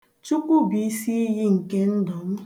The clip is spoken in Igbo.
Chukwu bụ isiiyi nke ndụ m